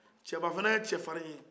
cɛba fana ye cɛfari ye